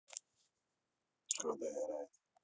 когда играет